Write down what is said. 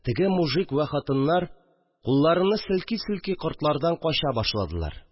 Теге мужик вә хатыннар, кулларыны селки-селки, кортлардан кача башладылар